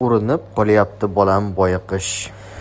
urinib qolyapti bolam boyaqish